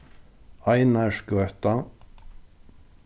einarsgøta